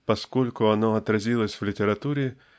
поскольку оно отразилось в литературе